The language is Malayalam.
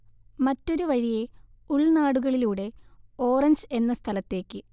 മറ്റൊരു വഴിയെ, ഉൾനാടുകളിലൂടെ, ഓറഞ്ച് എന്ന സ്ഥലത്തേക്ക്